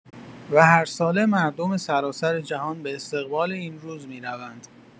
و هر ساله مردم سراسر جهان به استقبال این روز می‌روند.